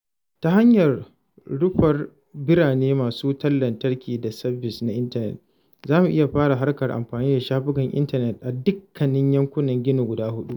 Ta hanyar nufar birane masu wutar lantarki da sabis na intanet, za mu iya fara harkar amfani da shafukan intanet a dukkanin yankunan Guinea guda huɗu.